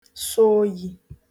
sọ oyī